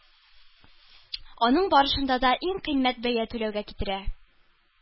Аның барышында да иң кыйммәт бәя түләүгә китерә.